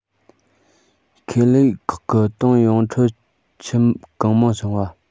ཁེ ལས ཁག གི གཏོང ཡོང འཁྲོལ འཁྱིལ གང མང བྱུང བ